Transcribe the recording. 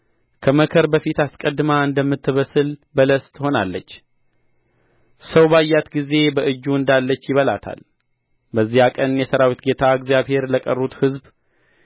ከመከር በፊት አስቀድማ እንደምትበስል በለስ ትሆናለች ሰው ባያት ጊዜ በእጁ እንዳለች ይበላታል በዚያ ቀን የሠራዊት ጌታ እግዚአብሔር ለቀሩት ሕዝቡ